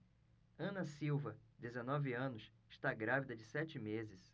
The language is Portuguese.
ana silva dezenove anos está grávida de sete meses